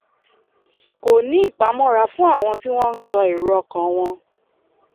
Kòní ìpamọ́ra fún àwọn ti wọ́n ńsọ èrò ọkàn wọn